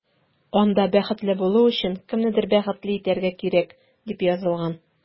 Анда “Бәхетле булу өчен кемнедер бәхетле итәргә кирәк”, дип язылган.